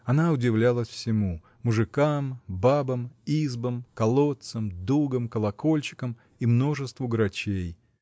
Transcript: она удивлялась всему: мужикам, бабам, избам, колодцам, дугам, колокольчикам и множеству грачей